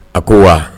A ko wa